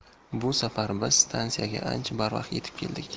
bu safar biz stansiyaga ancha barvaqt yetib keldik